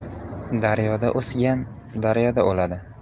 daryoda o'sgan daryoda o'ladi